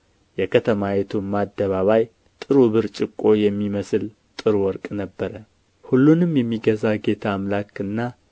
የከተማይቱም አደባባይ ጥሩ ብርጭቆ የሚመስል ጥሩ ወርቅ ነበረ ሁሉንም የሚገዛ ጌታ አምላክና